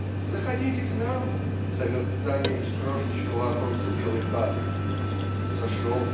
"Заходите к нам!" - зовет Таня из крошечного оконца белой хаты. Зашел.